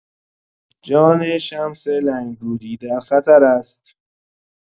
جان شمس لنگرودی در خطر است.